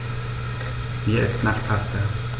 Mir ist nach Pasta.